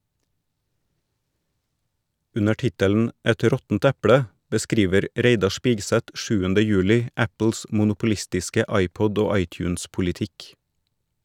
Under tittelen «Et råttent eple» beskriver Reidar Spigseth 7. juli Apples monopolistiske iPod- og iTunes-politikk.